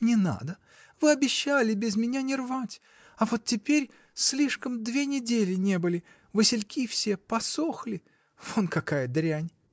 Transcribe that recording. — Не надо, вы обещали без меня не рвать — а вот теперь слишком две недели не были, васильки все посохли: вон какая дрянь!